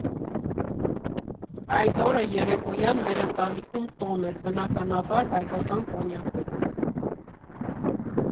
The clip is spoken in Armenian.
Այդ օրը երեկոյան մեր ընտանիքում տոն էր, բնականաբար՝ հայկական կոնյակով։